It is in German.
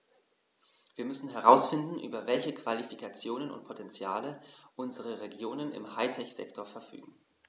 Wir müssen herausfinden, über welche Qualifikationen und Potentiale unsere Regionen im High-Tech-Sektor verfügen.